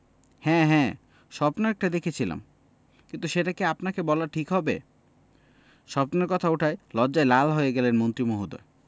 হ্যাঁ হ্যাঁ স্বপ্ন একটা দেখেছিলাম কিন্তু সেটা কি আপনাকে বলা ঠিক হবে স্বপ্নের কথা ওঠায় লজ্জায় লাল হয়ে গেলেন মন্ত্রী মহোদয়